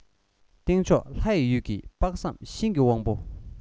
སྟེང ཕྱོགས ལྷ ཡི ཡུལ གྱི དཔག བསམ ཤིང གི དབང པོ